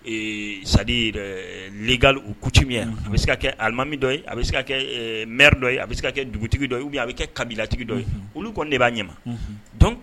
Sa lekali ku ye a bɛ se kɛlimami dɔ ye a bɛ se kɛ m dɔ ye a bɛ se kɛ dugutigi dɔ a bɛ kɛ kabilalatigi dɔ ye olu kɔni de b'a ɲɛ